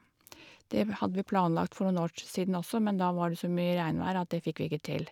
Det hadde vi planlagt for noen år siden også, men da var det så mye regnvær at det fikk vi ikke til.